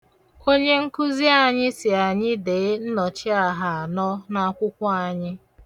Onye nkụzị anyị sị anyị dee nnọchiaha anọ n'akwụkwọ anyị.